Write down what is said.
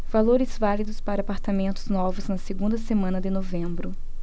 valores válidos para apartamentos novos na segunda semana de novembro